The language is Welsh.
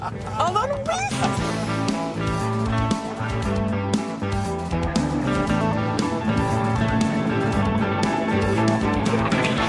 Odd o'n wyllt!